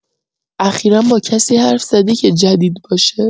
اخیرا با کسی حرف زدی که جدید باشه؟